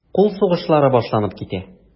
Кул сугышлары башланып китә.